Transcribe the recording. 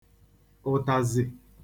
ụ̀tàzị̀